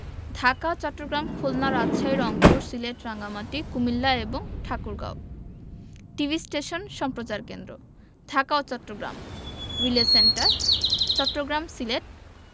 ঢাকা চট্টগ্রাম খুলনা রাজশাহী রংপুর সিলেট রাঙ্গামাটি কুমিল্লা এবং Thakurgaon TV station সম্প্রচার কেন্দ্রঃ ঢাকা ও চট্টগ্রাম রিলে সেন্টার চট্টগ্রাম সিলেট